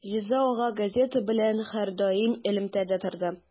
Риза ага газета белән һәрдаим элемтәдә торды.